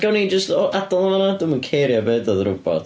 Gawn ni jyst o- adael o'n fan'na? Dwi'm yn cerio be ddeudodd y robot.